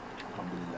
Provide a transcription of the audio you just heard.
alhamdoulillah